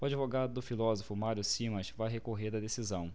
o advogado do filósofo mário simas vai recorrer da decisão